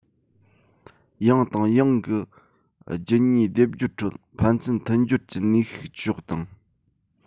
ཡང དང ཡང གི རྒྱུད གཉིས སྡེབ སྦྱོར ཁྲོད ཕན ཚུན མཐུན སྦྱོར གྱི ནུས ཤུགས ཕྱོགས དང